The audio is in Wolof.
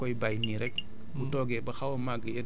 nga béy benn gàncax bu nga xamante ni